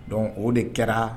Dɔn o de kɛra